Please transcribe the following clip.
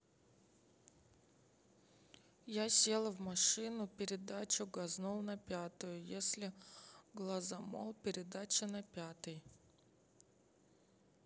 я села в машину передачу газанул на пятую если глазамол передача на пятый